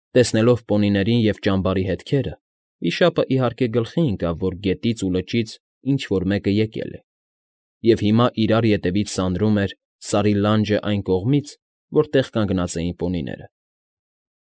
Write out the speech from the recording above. Տեսնելով պոնիներին և ճամբարի հետքերը, վիշապն, իհարկե, գլխի ընկավ, որ գետից ու լճից ինչ֊որ մեկը եկել է, և հիմա իրար ետևից սանրում էր Սարի լանջը այն կողմից, որտեղ կանգնած էին պոնիները։